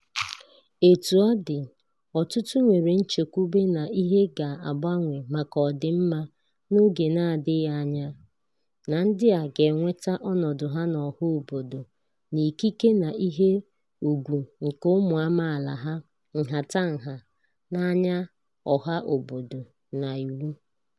Etu ọ dị, ọtụtụ nwere nchekwube na ihe ga-agbanwe maka ọdịmma n'oge na-adịghị anya na ndị a ga-enweta ọnọdụ ha n'ọha obodo na ikike na ihe ùgwù nke ụmụ amaala haa nhatanha n'anya ọha obodo na iwu